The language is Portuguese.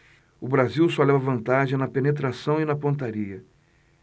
o brasil só leva vantagem na penetração e na pontaria